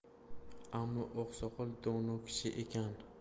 ammo oqsoqol dono kishi ekan